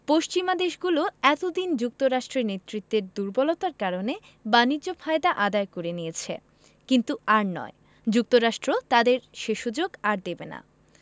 পশ্চিমা দেশগুলো এত দিন যুক্তরাষ্ট্রের নেতৃত্বের দুর্বলতার কারণে বাণিজ্য ফায়দা আদায় করে নিয়েছে কিন্তু আর নয় যুক্তরাষ্ট্র তাদের সে সুযোগ আর দেবে না